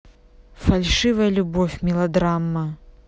фальшивая любовь мелодрама